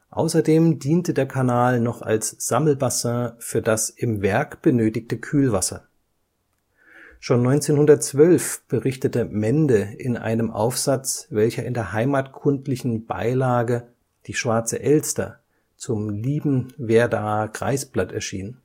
Außerdem diente der Kanal noch als Sammelbassin für das im Werk benötigte Kühlwasser. Schon 1912 berichtete K. Mende in einem Aufsatz, welcher in der heimatkundlichen Beilage „ Die Schwarze Elster “zum „ Liebenwerdaer Kreisblatt “erschien